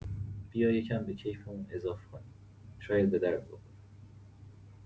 بیا یه کم به کیفمون اضاف کنیم، شاید به درد بخوره!